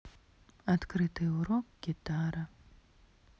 открытый урок гитара